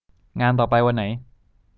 งานต่อไปวันไหน